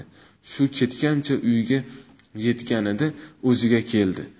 shu ketgancha uyga yetganida o'ziga keldi